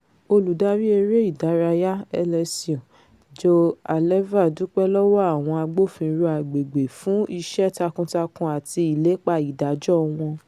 Olùdarí eré ìdárayá LSU Joe Alleva dúpẹ́ lọ́wọ́ àwọn agbófinró agbègbè fún ''iṣẹ́ takun-takun àti ilépa ìdájọ́'' wọn.